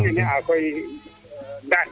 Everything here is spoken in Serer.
ga'a keene o ne 'a koy Ndane